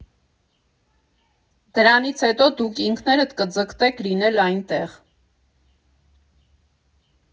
Դրանից հետո դուք ինքներդ կձգտեք լինել այնտեղ։